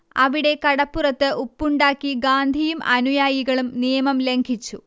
അവിടെ കടപ്പുറത്ത് ഉപ്പുണ്ടാക്കി ഗാന്ധിയും അനുയായികളും നിയമം ലംഘിച്ചു